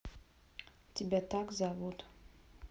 тебя так зовут